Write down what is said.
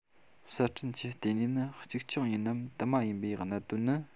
གསར སྐྲུན གྱི ལྟེ གནས ནི གཅིག རྐྱང ཡིན ནམ དུ མ ཡིན པའི གནད དོན ནི